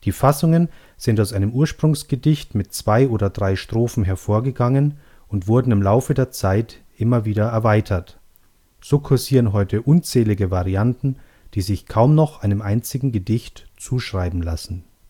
Fassungen sind aus einem Ursprungsgedicht mit zwei oder drei Strophen hervorgegangen und wurden im Laufe der Zeit immer wieder erweitert. So kursieren heute unzählige Varianten, die sich kaum noch einem einzigen Gedicht zuschreiben lassen